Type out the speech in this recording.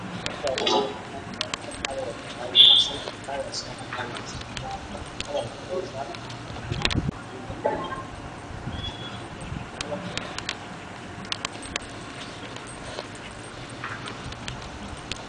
Waa maqaayad waxaa leedahay geedo cagaaran